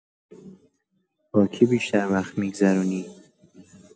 با کی بیشتر وقت می‌گذرونی؟